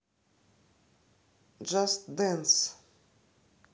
джаст дэнс